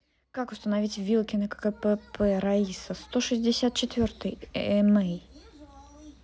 как установить вилки на кпп раиса сто шестьдесят четвертый эмей